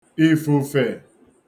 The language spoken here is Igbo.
ìfùfè